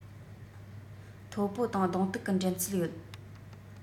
ཐའོ པའོ དང གདོང གཏུག གི འགྲན རྩོད ཡོད